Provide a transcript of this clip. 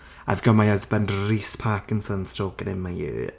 I've got my husband, Reece Parkinsons, talking in my ear.